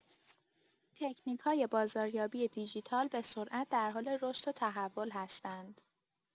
تکنیک‌های بازاریابی دیجیتال به‌سرعت در حال رشد و تحول هستند.